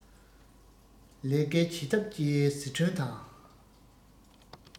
ལས ཀའི བྱེད ཐབས བཅས སི ཁྲོན དང